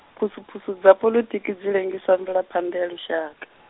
phusuphusu dza poḽitiki dzi lengisa mvelaphala ya lushaka.